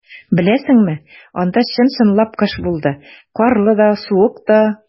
Беләсеңме, анда чын-чынлап кыш булды - карлы да, суык та.